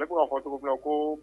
Cɛ be ka fɔ cioko mina ko